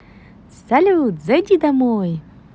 салют зайди домой